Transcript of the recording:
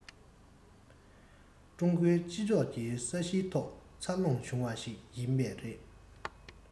ཀྲུང གོའི སྤྱི ཚོགས ཀྱི ས གཞིའི ཐོག འཚར ལོངས བྱུང བ ཞིག ཡིན པས རེད